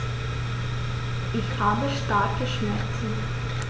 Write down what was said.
Ich habe starke Schmerzen.